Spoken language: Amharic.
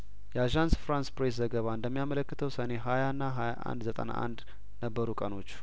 የአዣንስ ፍራንስ ፕሬስ ዘገባ እንደሚያመለክተው ሰኔ ሀያእና ሀያአንድ ዘጠና አንድ ነበሩ ቀኖቹ